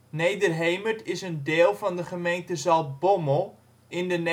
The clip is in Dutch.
Nederhemert is een deel van de gemeente Zaltbommel, in de